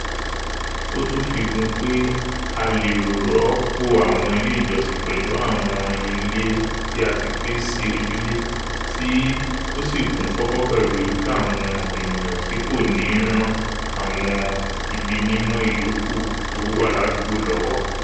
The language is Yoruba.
ó tun fikún pè a lè rọpò àwọn ilé ìjọsìn pẹlu àwọn ile tí a pín sí ojúlé̀ tí ósì kún fọ́fọ́ pẹ̀lú irufẹ àwọn eniyan tí kòní ran àwọn ibi mimọ ìyókù tówà láàdúgbò lọwọ.